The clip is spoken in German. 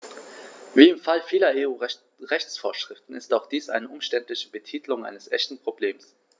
Wie im Fall vieler EU-Rechtsvorschriften ist auch dies eine umständliche Betitelung eines echten Problems.